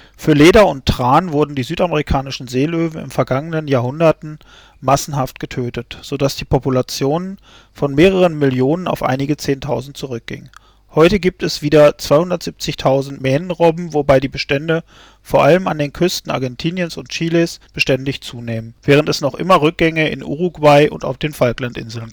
Für Leder und Tran wurden die Südamerikanischen Seelöwen in vergangenen Jahrhunderten massenhaft getötet, so dass die Population von mehreren Millionen auf einige Zehntausend zurückging. Heute gibt es wieder 270.000 Mähnenrobben, wobei die Bestände vor allem an den Küsten Argentiniens und Chiles beständig zunehmen, während es noch immer Rückgänge in Uruguay und auf den Falklandinseln